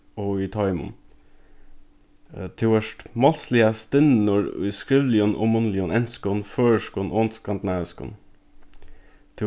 og í toymum tú ert málsliga stinnur í skrivligum og munnligum enskum føroyskum og skandinaviskum